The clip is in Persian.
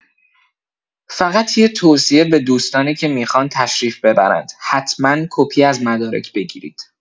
فقط یه توصیه به دوستانی که میخوان تشریف ببرند، حتما کپی از مدارک بگیرید